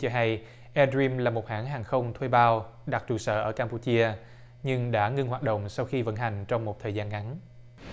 cho hay e đờ rim là một hãng hàng không thuê bao đặt trụ sở ở cam pu chia nhưng đã ngưng hoạt động sau khi vận hành trong một thời gian ngắn